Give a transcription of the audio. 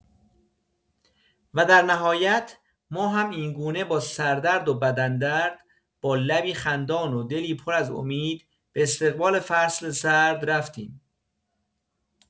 و در نهایت ما هم اینگونه با سردرد و بدن‌درد، با لبی خندان و دلی پر از امید به استقبال فصل سرد رفتیم.